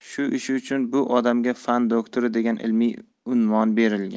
shu ishi uchun bu odamga fan do'kto'ri degan ilmiy unvon berilgan